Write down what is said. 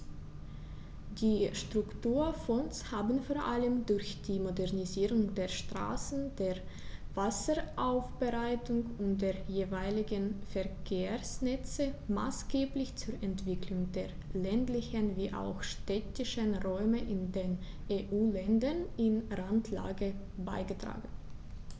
Die Strukturfonds haben vor allem durch die Modernisierung der Straßen, der Wasseraufbereitung und der jeweiligen Verkehrsnetze maßgeblich zur Entwicklung der ländlichen wie auch städtischen Räume in den EU-Ländern in Randlage beigetragen.